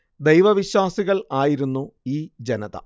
ദൈവ വിശ്വാസികൾ ആയിരുന്നു ഈ ജനത